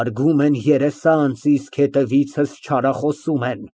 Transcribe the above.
Հարգում են երեսանց, իսկ հետևից չարախոսում են։